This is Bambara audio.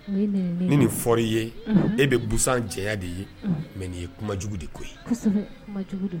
Ni ni fɔɔri ye e bɛ busan cɛ ya de ye mais ni ye kuma jugu de ko ye, kosɛbɛ, kumajugu don.